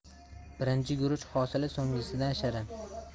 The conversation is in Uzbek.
birinchi guruch hosili so'nggisidan shirin